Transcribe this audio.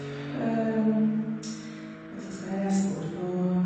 Og så skal jeg reise bort på...